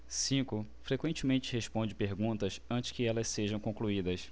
cinco frequentemente responde perguntas antes que elas sejam concluídas